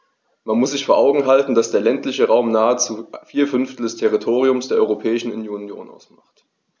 Man muss sich vor Augen halten, dass der ländliche Raum nahezu vier Fünftel des Territoriums der Europäischen Union ausmacht.